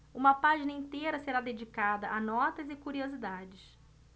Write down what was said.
uma página inteira será dedicada a notas e curiosidades